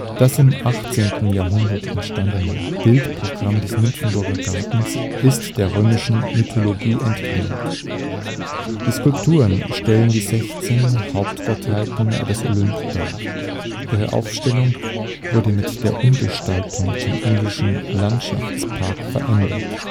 Das im 18. Jahrhundert entstandene Bildprogramm des Nymphenburger Gartens ist der römischen Mythologie entlehnt. Die Skulpturen stellen die sechzehn Hauptgottheiten des Olymp dar. Ihre Aufstellung wurde mit der Umgestaltung zum englischen Landschaftspark verändert